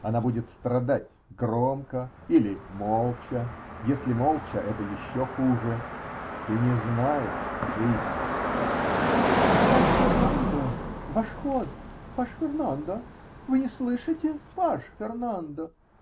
Она будет страдать -- громко или молча. Если молча, это еще хуже. Ты не знаешь жизни. -- Паж Фернандо, ваш ход. Паж Фернандо, вы не слышите? Паж Фернандо!